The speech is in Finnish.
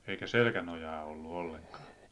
eikä selkänojaa ollut ollenkaan